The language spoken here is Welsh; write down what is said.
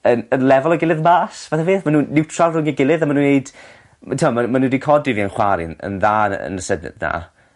yn yn lefelo'i gilydd mas fath o peth ma' nw'n niwtral rwng ei gilydd a ma' n'w neud ma' t'mod ma' ma' n'w 'di codi fi a'n chwar i'n yn dda yn y yn y syniad 'na.